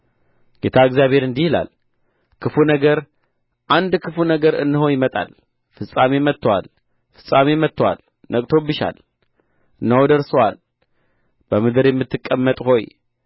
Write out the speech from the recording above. ጌታ እግዚአብሔር እንዲህ ይላል ክፉ ነገር አንድ ክፉ ነገር እነሆ ይመጣል ፍጻሜ መጥቶአል ፍጻሜ መጥቶአል ነቅቶብሻል እነሆ ደርሶአል በምድር የምትቀመጥ ሆይ